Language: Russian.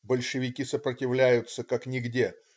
Большевики сопротивляются, как нигде.